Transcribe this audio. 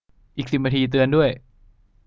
อีกสิบนาทีเตือนด้วย